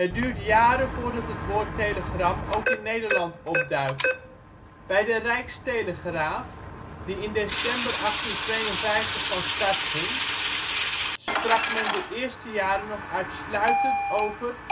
duurt jaren voordat het woord telegram ook in Nederland opduikt. Bij de Rijkstelegraaf, die in december 1852 van start ging, sprak men de eerste jaren nog uitsluitend over